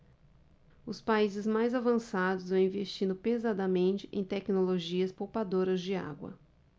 os países mais avançados vêm investindo pesadamente em tecnologias poupadoras de água